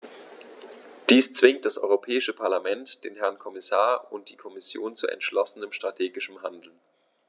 Dies zwingt das Europäische Parlament, den Herrn Kommissar und die Kommission zu entschlossenem strategischen Handeln.